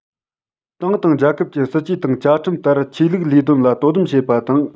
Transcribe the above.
ཏང དང རྒྱལ ཁབ ཀྱི སྲིད ཇུས དང བཅའ ཁྲིམས ལྟར ཆོས ལུགས ལས དོན ལ དོ དམ བྱེད པ དང